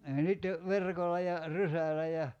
ja sitten verkolla ja rysällä ja